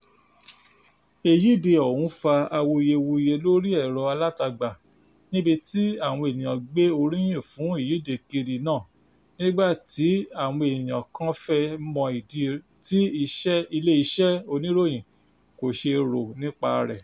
Ìyíde ọ̀hún fa awuyewuye lórí ẹ̀rọ-alátagbà níbi tí àwọn ènìyàn gbé oríyìn fún ìyíde kiri náà nígbà tí àwọn ènìyàn kan fẹ́ mọ ìdí tí ilé iṣẹ́ oníròyìn kò ṣe rò nípa rẹ̀.